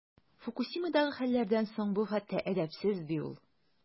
Фукусимадагы хәлләрдән соң бу хәтта әдәпсез, ди ул.